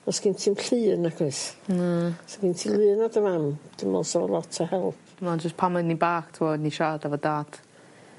do's gen ti 'im llun nacoes? Na. Sa gen ti lun o dy fam dwi me'wl sa fo lot o help. jys pan o'n i'n bach t'mod o'n i siarad efo dad